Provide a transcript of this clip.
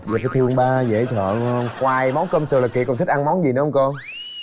vậy phải thương ba dễ sợ hông ngoài món cơm sườn là kiệt còn thích ăn món gì nữa hông cô